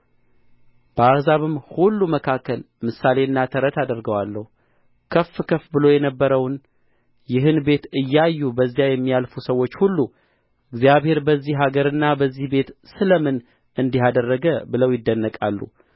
በአሕዛብም ሁሉ መካከል ምሳሌና ተረት አደርገዋለሁ ከፍ ከፍ ብሎ የነበረውንም ይህን ቤት እያዩ በዚያ የሚያልፉ ሰዎች ሁሉ እግዚአብሔር በዚህ አገርና በዚህ ቤት ስለ ምን እንዲህ አደረገ ብለው ይደነቃሉ